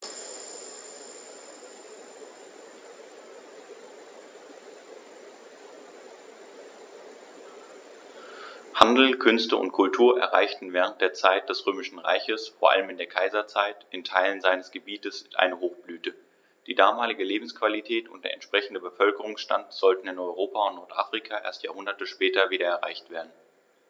Handel, Künste und Kultur erreichten während der Zeit des Römischen Reiches, vor allem in der Kaiserzeit, in Teilen seines Gebietes eine Hochblüte, die damalige Lebensqualität und der entsprechende Bevölkerungsstand sollten in Europa und Nordafrika erst Jahrhunderte später wieder erreicht werden.